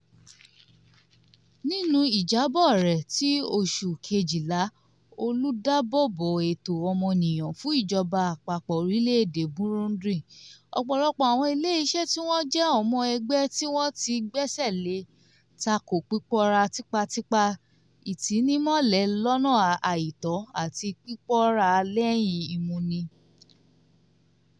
Nínú ìjábọ̀ rẹ̀ ti oṣù Kejìlá, Olùdáábòbò Ẹ̀tọ́ Ọmọnìyàn fún Ìjọba Àpapọ̀ orílẹ̀ èdè Burundi - ọ̀pọ̀lọpọ̀ àwọn ilé iṣẹ́ tí wọ́n jẹ́ ọmọ ẹgbẹ́ tí wọ́n tí gbẹ́sẹ̀ lé - tako pípòórá tipátipá, ìtinimọ́lé lọ́nà àìtó, àti pípòórá lẹ́yìn ìmúni.